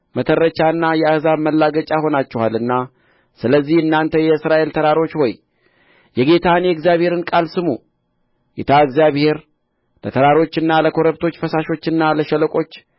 መተረቻና የአሕዛብ ማላገጫ ሆናችኋልና ስለዚህ እናንተ የእስራኤል ተራሮች ሆይ የጌታን የእግዚአብሔርን ቃል ስሙ ጌታ እግዚአብሔር ለተራሮችና ለኮረብቶች ለፈሳሾችና ለሸለቆች